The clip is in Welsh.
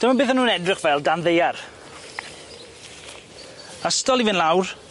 Dyma beth o'n nw'n edrych fel dan ddaear. Ystol i fyn' lawr.